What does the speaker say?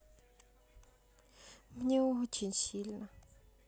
мне очень сильно